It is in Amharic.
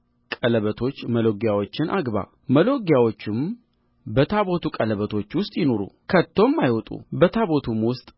ቀለበቶች መሎጊያዎቹን አግባ መሎጊያዎቹም በታቦቱ ቀለበቶች ውስጥ ይኑሩ ከቶም አይውጡ በታቦቱም ውስጥ